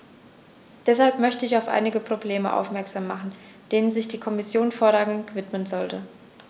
Deshalb möchte ich auf einige Probleme aufmerksam machen, denen sich die Kommission vorrangig widmen sollte.